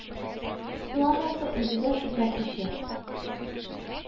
Су анасы үзе дә шунда күчә